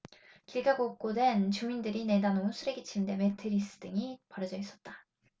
길가 곳곳엔 주민들이 내다 놓은 쓰레기 침대 매트리스 등이 버려져 있었다